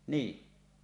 niin